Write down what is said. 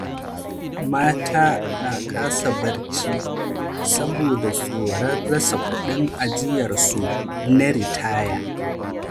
Mata na kasa barci saboda tsoron rasa kudin ajiyarsu na ritaya